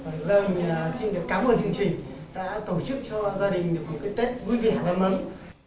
vâng xin được cám ơn chương trình đã tổ chức cho gia đình được một cái tết vui vẻ đầm ấm